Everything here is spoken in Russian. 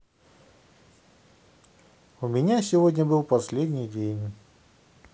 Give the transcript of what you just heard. у меня сегодня был последний день